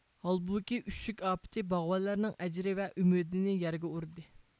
ھالبۇكى ئۈششۈك ئاپىتى باغۋەنلەرنىڭ ئەجرى ۋە ئۈمىدىنى يەرگە ئۇردى